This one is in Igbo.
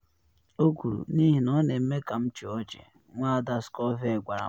“O kwuru, “N’ihi ọ na eme ka m chịa ọchị,”” Nwada Scovell gwara m.